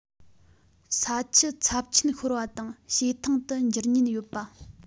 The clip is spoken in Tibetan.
ས ཆུ ཚབས ཆེན ཤོར བ དང བྱེ ཐང དུ འགྱུར ཉེན ཡོད པ